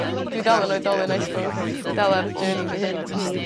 Dwi dal yn oedolyn I spose dwi dal ar y journey fy hun.